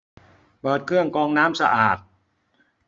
เปิดเครื่องกรองน้ำสะอาด